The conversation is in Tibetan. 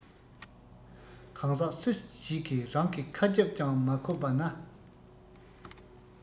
གང ཟག སུ ཞིག གིས རང གི ཁ རྒྱབ ཀྱང མ ཁོབས པ ན